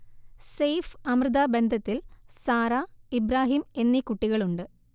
സെയ്ഫ്-അമൃത ബന്ധത്തിൽ സാറ, ഇബ്രാഹീം എന്നീ കുട്ടികളുണ്ട്